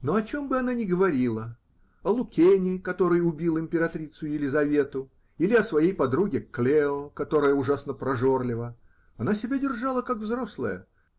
Но о чем бы она ни говорила, о Лукени, который убил императрицу Елизавету, или о своей подруге Клео, которая ужасно прожорлива, она себя держала, как взрослая.